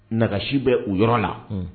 Nasi bɛ o yɔrɔ la